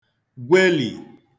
gwelì